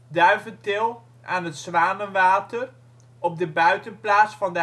Duiventil aan het Zwanenwater op de buitenplaats van